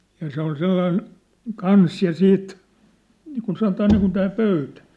ja se oli sellainen kanssa ja siit niin kuin sanotaan niin kuin tämä pöytä